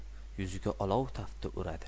yuziga olov tafti uradi